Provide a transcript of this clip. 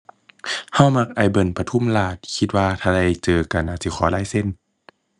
เรามักอ้ายเบิล ปทุมราช คิดว่าถ้าได้เจอกันนะสิขอลายเซ็น